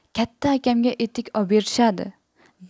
katta akamga etik oberishadi